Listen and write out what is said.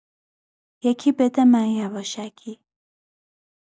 یکی بده من یواشکی